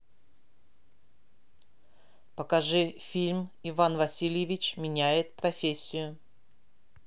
покажи фильм иван васильевич меняет профессию